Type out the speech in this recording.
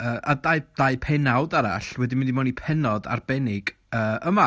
Yy a dau dau pennawd arall wedi mynd i mewn i pennod arbennig, yy, yma.